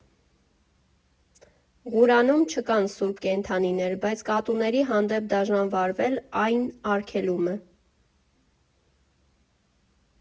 Ղուրանում չկան սուրբ կենդանիներ, բայց կատուների հանդեպ դաժան վարվել այն արգելում է։